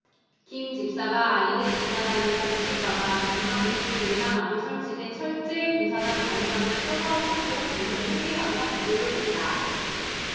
김 집사가 아이들이 지나다니다 다칠까 봐 강남 옛 교회당 앞에 설치된 철제 공사장 가림막을 철거한 것도 재물손괴라며 고소를 했다